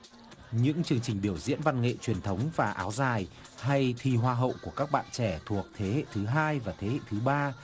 những chương trình biểu diễn văn nghệ truyền thống và áo dài hay thi hoa hậu của các bạn trẻ thuộc thế hệ thứ hai và thế hệ thứ ba